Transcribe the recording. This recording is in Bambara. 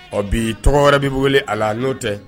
Ɔ bi tɔgɔ wɛrɛ b'i wele a la n'o tɛ